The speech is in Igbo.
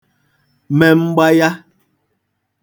me mgbaya